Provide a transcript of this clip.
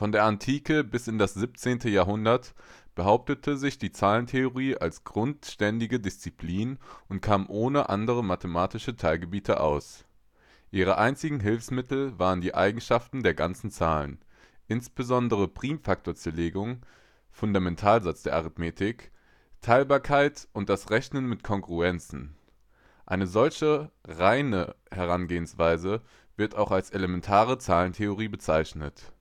der Antike bis in das siebzehnte Jahrhundert behauptete sich die Zahlentheorie als grundständige Disziplin und kam ohne andere mathematische Teilgebiete aus. Ihre einzigen Hilfsmittel waren die Eigenschaften der ganzen Zahlen, insbesondere Primfaktorzerlegung (Fundamentalsatz der Arithmetik), Teilbarkeit und das Rechnen mit Kongruenzen. Eine solche reine Herangehensweise wird auch als elementare Zahlentheorie bezeichnet